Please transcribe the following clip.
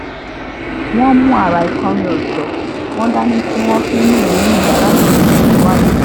Wọ́n mú àrà ìkọrin ọ̀tọ̀ wọn dání tí wọ́n fi mú ìrírí ìgbáládùn orin tuntun wáyé.